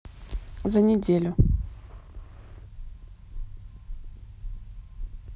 за неделю